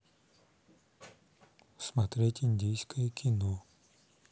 смотреть индийское кино